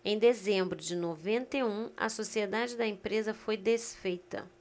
em dezembro de noventa e um a sociedade da empresa foi desfeita